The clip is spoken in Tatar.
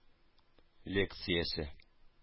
Лекциясе